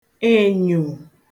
ènyò